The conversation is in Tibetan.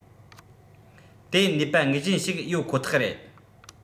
དེ ནུས པ ངེས ཅན ཞིག ཡོད ཁོ ཐག རེད